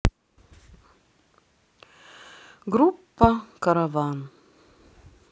группа караван